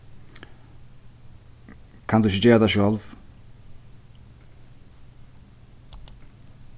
kann tú ikki gera tað sjálv